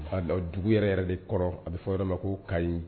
O k'a don, dugu yɛrɛ yɛrɛ de kɔnɔ, a bɛ fɔ yɔrɔ min ma ko Kayi.